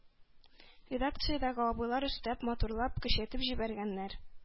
Редакциядәге абыйлар өстәп, матурлап, көчәйтеп җибәргәннәр.